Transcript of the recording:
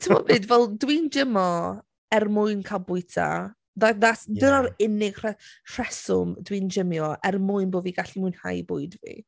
Timod be d- fel dwi'n jymio er mwyn cael bwyta. Tha- that's dyna'r... ie ...unig rhe- rheswm dwi'n jymio er mwyn bod fi'n gallu mwynhau bwyd fi.